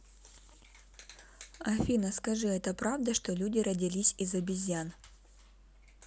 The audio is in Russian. афина скажи это правда что люди родились из обезьян